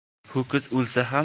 ho'kiz o'lsa ham